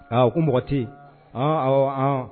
Aa u ko mɔgɔti h ɔ an